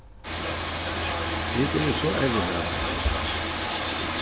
vit eru so errin av tær